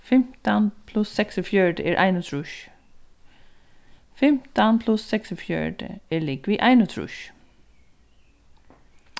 fimtan pluss seksogfjøruti er einogtrýss fimtan pluss seksogfjøruti er ligvið einogtrýss